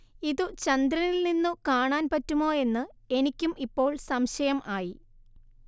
ഇതു ചന്ദ്രനിൽ നിന്നു കാണാൻ പറ്റുമോ എന്ന് എനിക്കും ഇപ്പോൾ സംശയം ആയി